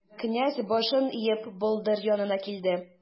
Князь, башын иеп, болдыр янына килде.